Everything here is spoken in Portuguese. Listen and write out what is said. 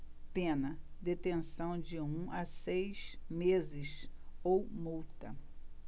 pena detenção de um a seis meses ou multa